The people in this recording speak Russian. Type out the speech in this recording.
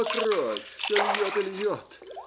А кровь все льет и льет